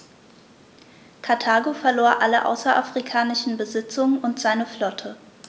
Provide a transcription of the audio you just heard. Karthago verlor alle außerafrikanischen Besitzungen und seine Flotte.